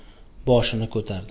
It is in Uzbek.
boshini ko'tardi